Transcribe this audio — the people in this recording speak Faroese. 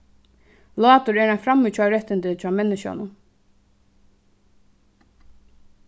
látur er ein framíhjárættindi hjá menniskjanum